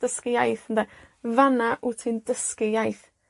dysgu iaith ynde? Fan 'na wt ti'n dysgu iaith.